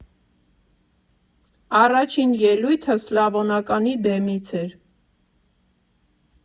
Առաջին ելույթս Սլավոնականի բեմից էր։